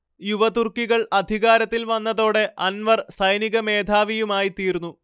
യുവതുർക്കികൾ അധികാരത്തിൽ വന്നതോടെ അൻവർ സൈനികമേധാവിയുമായിത്തീർന്നു